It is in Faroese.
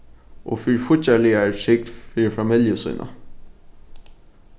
og fyri fíggjarligari trygd fyri familju sína